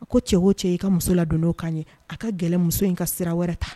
A ko cɛ o cɛ i y'i ka muso ladon n'o kan ye a ka gɛlɛn muso in ka sira wɛrɛ ta